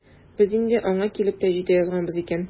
Без инде аңа килеп тә җитә язганбыз икән.